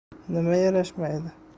nima yarashmaydi